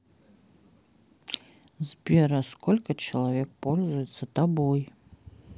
сбер а сколько человек пользуется тобой